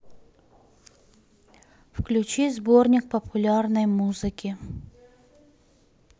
включи сборник популярной музыки